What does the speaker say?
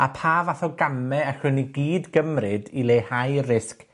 a pa fath o game allwn ni gyd gymryd i leihau risg